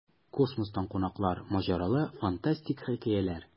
Космостан кунаклар: маҗаралы, фантастик хикәяләр.